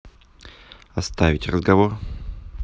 оставить разговор